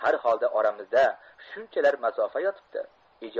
har holda oramizda shunchalar masofa yotibdi